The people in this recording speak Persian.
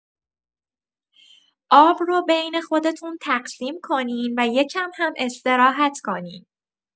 آب رو بین خودتون تقسیم کنین و یکم هم استراحت کنین.